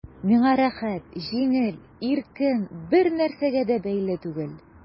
Миңа рәхәт, җиңел, иркен, бернәрсәгә дә бәйле түгел...